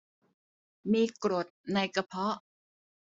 มีกรดในกระเพาะ